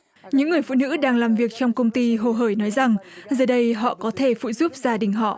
những người phụ nữ đang làm việc trong công ty hồ hởi nói rằng giờ đây họ có thể phụ giúp gia đình họ